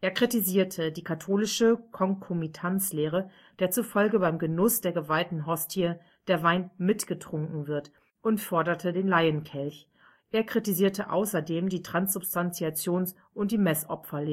kritisierte die katholische Konkomitanz-Lehre, der zufolge beim Genuss der geweihten Hostie der Wein „ mitgetrunken “wird, und forderte den Laienkelch. Er kritisierte außerdem die Transsubstantiations - und die Messopfer-Lehre